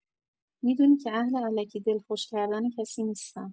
می‌دونی که اهل الکی دلخوش کردن کسی نیستم.